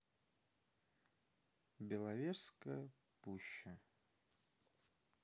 беловежская пуща